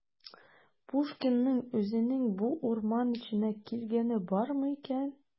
Пушкинның үзенең бу урман эченә килгәне бармы икән?